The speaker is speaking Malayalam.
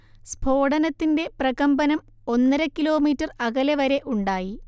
സ്ഫോടനത്തിന്റെ പ്രകമ്പനം ഒന്നര കിലോമീറ്റർ അകലെ വരെ ഉണ്ടായി